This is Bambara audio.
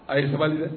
A ye sabali dɛ.